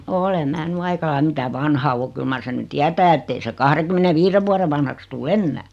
olen minä nyt aika lailla mitä vanha on kyllä mar sen nyt tietää että ei se kahdenkymmenenviiden vuoden vanhaksi tule enää